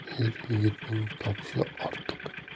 er yigitning topishi ortiq